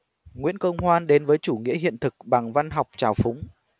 nguyễn công hoan đến với chủ nghĩa hiện thực bằng văn học trào phúng